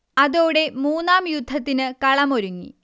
അതോടെ മൂന്നാം യുദ്ധത്തിന് കളമൊരുങ്ങി